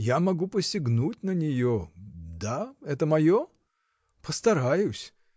Я могу посягнуть на нее, да, это мое? Постараюсь!